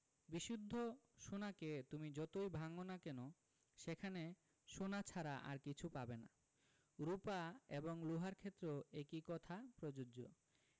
বিশুদ্ধ সোনাকে তুমি যতই ভাঙ না কেন সেখানে সোনা ছাড়া আর কিছু পাবে না রুপা এবং লোহার ক্ষেত্রেও একই কথা প্রযোজ্য